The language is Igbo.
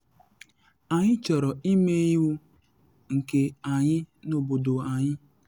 Anyị chọrọ ịme iwu nke anyị n’obodo anyị.’